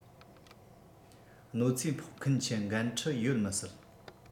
གནོད འཚེ ཕོག མཁན གྱི འགན འཁྲི ཡོད མི སྲིད